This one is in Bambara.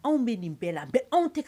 Anw bɛ nin bɛɛ la bɛ anw tɛ